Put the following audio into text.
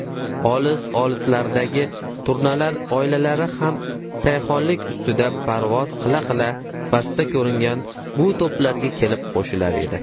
olis olislardagi turnalar oilalari ham sayhonlik ustida parvoz qila qila pastda ko'ringan bu to'plarga kelib qo'shilar edi